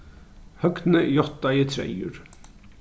høgni játtaði treyður